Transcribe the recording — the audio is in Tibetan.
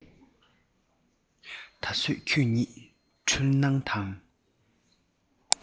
ད བཟོད ཁྱོད ཉིད འཁྲུལ སྣང དང